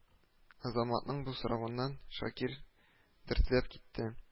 Азаматның бу соравыннан Шакир дертләп китте